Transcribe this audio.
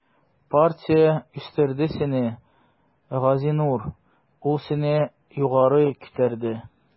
Партия үстерде сине, Газинур, ул сине югары күтәрде.